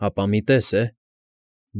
Հապա մի տես է՜։